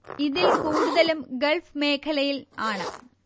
ഇതിൽ കൂടുതലും ഗള്ഫ് മേഖലയിൽ ആണ്